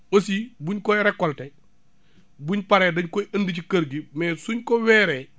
aussi buñ koy récolter buñ paree dañ koy andi ci kër gi mais suñ ko weeree